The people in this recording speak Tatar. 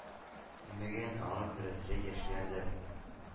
Мөгаен, алар дөресрәк яшиләрдер.